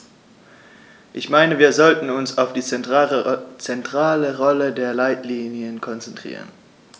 Ich meine, wir sollten uns auf die zentrale Rolle der Leitlinien konzentrieren.